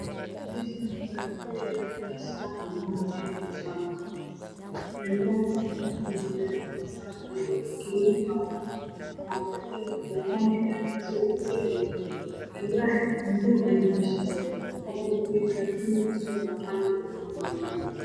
Meshani waxa ino yalo miis qaxwi maro yaa dulsaran oo cades ah alwax saxan ah ayayalo waxa saran labo bakeri oo cadan ah waxa kudhexjiro cabitan kalarkis beseli oow yahay alwax madow ah aya mesha yalo fadhiga mesh yalo kalrkis qalin dhilka waa qalin